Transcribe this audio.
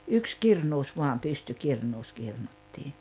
yksi kirnusi vain pystykirnussa kirnuttiin